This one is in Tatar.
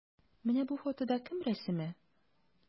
Менә бу фотода кем рәсеме?